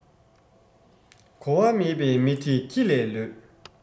གོ བ མེད པའི མི དེ ཁྱི ལས ལོད